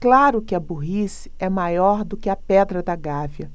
claro que a burrice é maior do que a pedra da gávea